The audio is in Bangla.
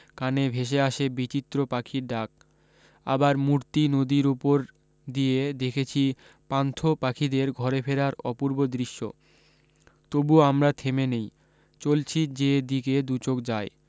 কানে ভেসে আসে বিচিত্র পাখির ডাক আবার মূর্তি নদীর উপর দিয়ে দেখেছি পান্থ পাখিদের ঘরে ফেরার অপূর্ব দৃশ্য তবুও আমরা থেমে নেই চলছি যে দিকে দুচোখ যায়